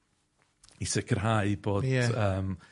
i sicirhau bod... Ie. ...yym